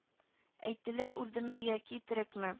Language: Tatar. Әйттеләр үлдеме яки терекме